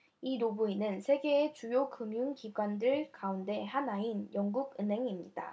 이 노부인은 세계의 주요 금융 기관들 가운데 하나인 영국은행입니다